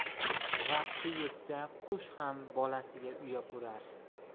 vaqti yetsa qush ham bolasiga uya qurar